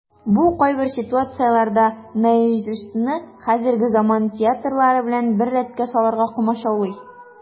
Бу кайбер ситуацияләрдә "Наизусть"ны хәзерге заман театрылары белән бер рәткә салырга комачаулый.